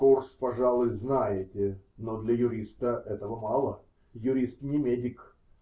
-- Курс, пожалуй, знаете, но для юриста этого мало. Юрист не медик.